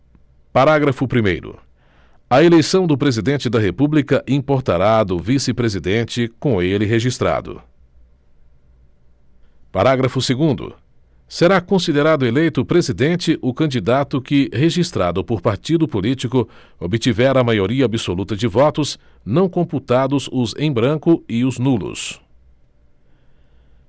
parágrafo primeiro a eleição do presidente da república importará a do vice presidente com ele registrado parágrafo segundo será considerado eleito presidente o candidato que registrado por partido político obtiver a maioria absoluta de votos não computados os em branco e os nulos